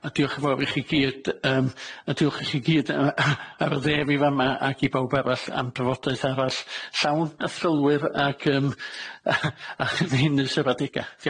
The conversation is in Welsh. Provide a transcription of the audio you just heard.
a diolch yn fawr i chi gyd yym a diolch i chi gyd yy ar y dde fi fama ag i bawb arall am drafodaeth arall llawn athrylwyr ag yym a- a ch- fy hyn yn sefadegau.